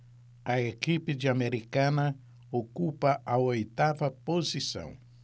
a equipe de americana ocupa a oitava posição